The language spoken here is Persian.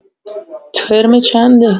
ترم چنده؟